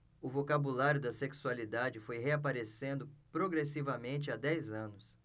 o vocabulário da sexualidade foi reaparecendo progressivamente há dez anos